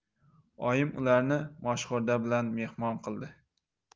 oyim ularni moshxo'rda bilan mehmon qildi